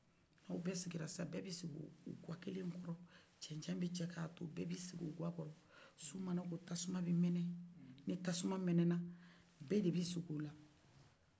n'aw bɛ sigila sisan a bɛ sigi o ga kelen kɔrɔ cɛncɛn bɛ cɛ ka ton bɛ be sigi o ga kɔrɔ su mana kɔ tasuma bɛ minɛ ni tasuman mɛnɛna bɛ de bɛ sig'ola